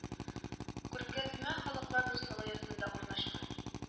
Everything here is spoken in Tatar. Күргәзмә Халыклар дуслыгы йортында урнашкан